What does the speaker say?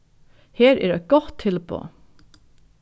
her er eitt gott tilboð